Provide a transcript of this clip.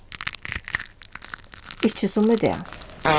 ikki sum í dag